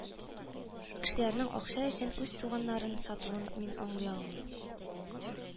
Кешеләрнең акча өчен үз туганнарын сатуын мин аңлый алмыйм